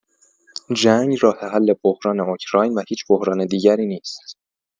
جنگ راه‌حل بحران اوکراین و هیچ بحران دیگری نیست.